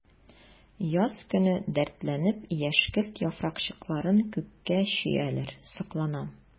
Яз көне дәртләнеп яшькелт яфракчыкларын күккә чөяләр— сокланам.